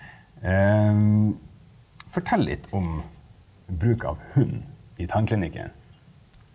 fortell litt om bruk av hund i tannklinikken.